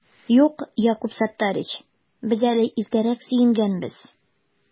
Юк, Якуб Саттарич, без әле иртәрәк сөенгәнбез